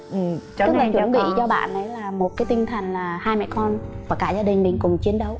ừ tớ đang chuẩn bị cho bạn ấy là một cái tinh thần là hai mẹ con và cả gia đình mình cùng chiến đấu